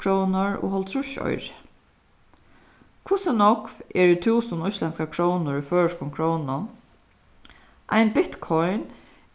krónur og hálvtrýss oyru hvussu nógv eru túsund íslendskar krónur í føroyskum krónum ein bitcoin